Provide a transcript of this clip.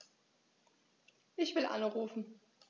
Ich will anrufen.